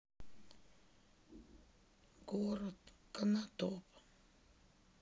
город канатоп